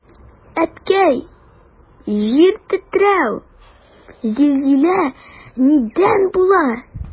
Әткәй, җир тетрәү, зилзилә нидән була?